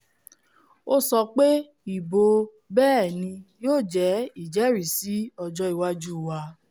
Ó sọ pé ìbò ''bẹ́ẹ̀ni'' yóò jẹ ''ìjẹ́ríìsí ọjọ́ iwájú wa.”